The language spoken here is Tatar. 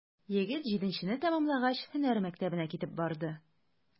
Егет, җиденчене тәмамлагач, һөнәр мәктәбенә китеп барды.